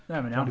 Na, mae'n iawn.